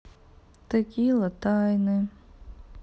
текила тайны